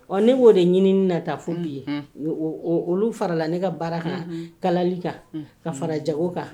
Ɔ, ne b'o de ɲinin na tan, fo bi. Unhun! O olu fara la ne ka baara kan,. Unhun! Kalali kan,. Unhun! Ka fara jago kan.